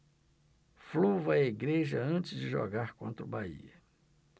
flu vai à igreja antes de jogar contra o bahia